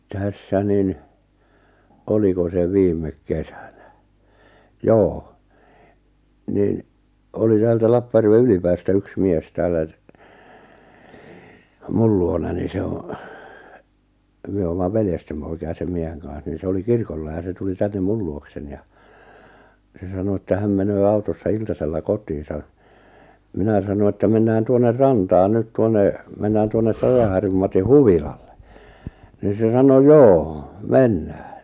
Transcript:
tässä niin oliko se viime kesänä joo niin oli täältä Lappajärven Ylipäästä yksi mies täällä - minun luonani se on me olemme veljesten poikia sen miehen kanssa niin se oli kirkolla ja se tuli tänne minun luokseni ja se sanoi että hän menee autossa iltasella kotiinsa minä sanoin että mennään tuonne rantaan nyt tuonne mennään tuonne Pajaharjun Matin huvilalle niin se sanoi joo mennään